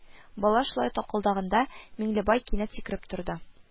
Бала шулай такылдаганда Миңлебай кинәт сикереп торды